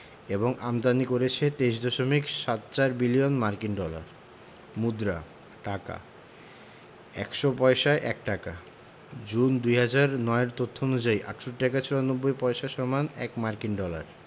আমদানি করেছে ২৩দশমিক সাত চার বিলিয়ন মার্কিন ডলার মুদ্রাঃ টাকা ১০০ পয়সায় ১ টাকা জুন ২০০৯ এর তথ্য অনুযায়ী ৬৮ টাকা ৯৪ পয়সা = ১ মার্কিন ডলার